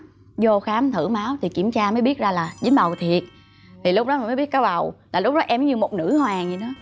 dô khám thử máu thì kiểm tra mới biết ra là dính bầu thiệt thì lúc đó mình mới biết có bầu tại lúc đó em giống như một nữ hoàng dậy đó